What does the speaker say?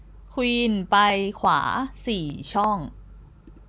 ควีนไปขวาสี่ช่อง